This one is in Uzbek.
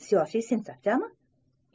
siyosiy sensatsiyami